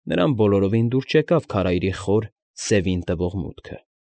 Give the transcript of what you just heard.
Նրան բոլորովին դուր չեկավ քարայրի խոր, սևին տվող մուտքը։